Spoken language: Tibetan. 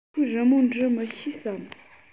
ཁོས རི མོ འབྲི མི ཤེས སམ